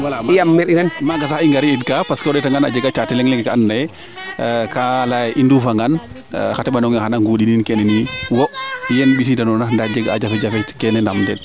wala maaga sax i ngariid kaa parce que o ndeta ngaan a jega caate leŋleŋ ka ando naye ka leya ye i nduufa ngaan xa teɓanongaxe xana ngundiniin keene yiin wo yeene mbisiida noona ndax jeg a jafe jafe keen